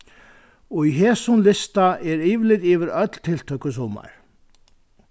í hesum lista er yvirlit yvir øll tiltøk í summar